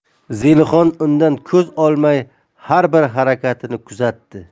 zelixon undan ko'z olmay har bir harakatini kuzatdi